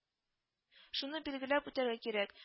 Шуны билгеләп үтәргә кирәк